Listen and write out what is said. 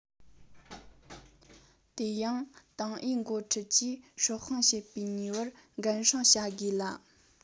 དེ ཡང ཏང ཨུའི འགོ ཁྲིད ཀྱིས སྲོག ཤིང བྱེད པའི ནུས པར འགན སྲུང བྱ དགོས ལ